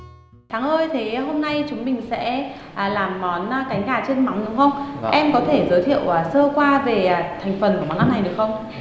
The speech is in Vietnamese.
thắng ơi thế hôm nay chúng mình sẽ à làm món cánh gà chiên mắm đúng không em có thể giới thiệu sơ qua về thành phần của món ăn này được không